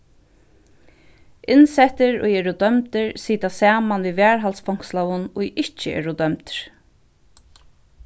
innsettir ið eru dømdir sita saman við varðhaldsfongslaðum ið ikki eru dømdir